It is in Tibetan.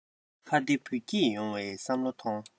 ཕ བདེ བུ སྐྱིད ཡོང བའི བསམ བློ ཐོང